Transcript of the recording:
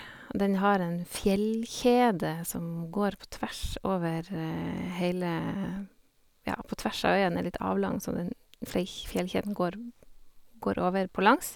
Og den har en fjellkjede som går på tvers over heile, ja, på tvers av, øyen er litt avlang, så den fleikj fjellkjeden går går over på langs.